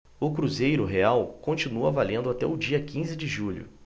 o cruzeiro real continua valendo até o dia quinze de julho